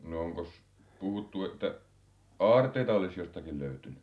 no onkos puhuttu että aarteita olisi jostakin löytynyt